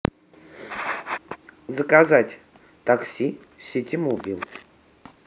заказать такси в ситимобил